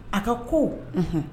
A ka ko Unhun